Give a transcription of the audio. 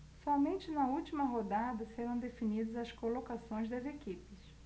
somente na última rodada serão definidas as colocações das equipes